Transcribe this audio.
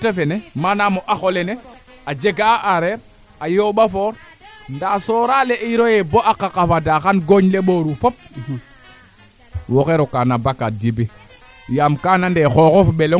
a jega mayu waa ando naye a mbuga nduuf ɓasi ndaa o axo le o axo le a jafeña den yaam mayu kaa jeg ɓasi fagun faak im leya koy wee ando naye a njega ɓasi yee